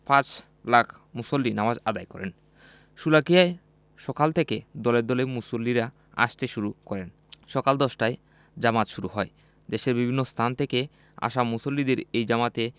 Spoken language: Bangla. পাঁচ লাখ মুসল্লি নামাজ আদায় করেন শোলাকিয়ায় সকাল থেকে দলে দলে মুসল্লিরা আসতে শুরু করেন সকাল ১০টায় জামাত শুরু হয় দেশের বিভিন্ন স্থান থেকে আসা মুসল্লিদের এই জামাতে